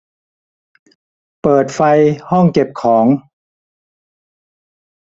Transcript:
เปิดไฟห้องเก็บของ